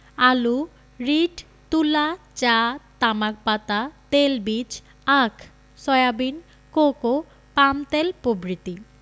আলু রীট তুলা চা তামাক পাতা তেলবীজ আখ সয়াবিন কোকো পামতেল প্রভৃতি